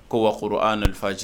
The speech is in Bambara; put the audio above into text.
Ko wakoro an nanji